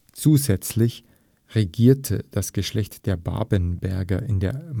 Zusätzlich regierte das Geschlecht der Babenberger in der